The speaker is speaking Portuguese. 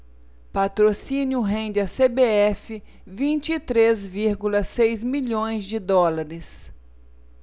patrocínio rende à cbf vinte e três vírgula seis milhões de dólares